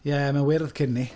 Ie, mae'n wyrdd cyn 'ny.